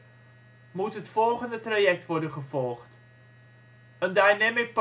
volgende traject worden gevolgd: een